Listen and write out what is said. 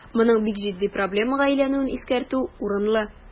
Моның бик җитди проблемага әйләнүен искәртү урынлы.